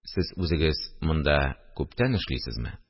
– сез үзегез монда күптән эшлисезме